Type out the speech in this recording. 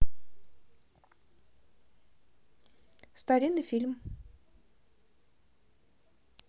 старинный фильм